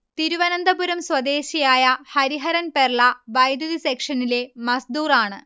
തിരുവനന്തപുരം സ്വദേശിയായ ഹരിഹരൻ പെർള വൈദ്യുതി സെക്ഷനിലെ മസ്ദൂർ ആണ്